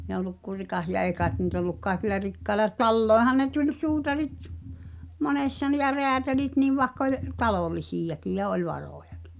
ei ollut kuin rikas ja ei kai niitä ollut kaikilla rikkailla taloihinhan ne tuli suutarit monessa ne ja räätälit niin vaikka oli talollisiakin ja oli varojakin